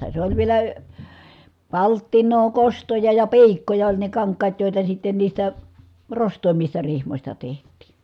se oli vielä palttinaa kostoja ja piikkoja oli ne kankaat joita sitten niistä rostoimmista rihmoista tehtiin